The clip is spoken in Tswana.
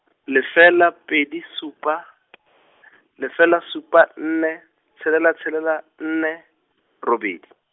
lefela pedi supa , lefela supa nne, tshelela tshelela, nne, robedi.